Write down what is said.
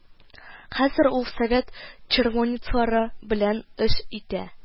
Хәзер ул совет червонецлары белән эш итә